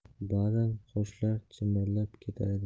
ba'zan qoshlari chimirilib ketar edi